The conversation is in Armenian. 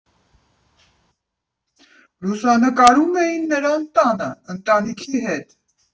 Լուսանկարում էին նրան տանը, ընտանիքի հետ։